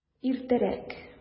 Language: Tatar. Иртәрәк!